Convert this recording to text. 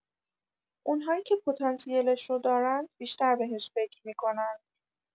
اون‌هایی که پتانسیلش رو دارند بیشتر بهش فکر می‌کنند.